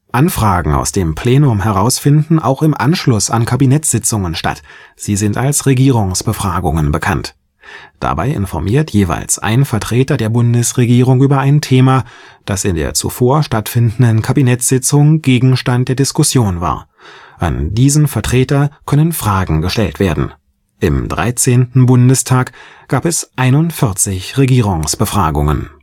Anfragen aus dem Plenum heraus finden auch im Anschluss an Kabinettssitzungen statt, sie sind als „ Regierungsbefragungen “bekannt. Dabei informiert jeweils ein Vertreter der Bundesregierung über ein Thema, das in der zuvor stattfindenden Kabinettssitzung Gegenstand der Diskussion war; an diesen Vertreter können Fragen gestellt werden. Im 13. Bundestag gab es 41 Regierungsbefragungen